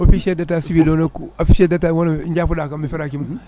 officier d' état civil o noon officier d' état jafoɗakam mi ferakima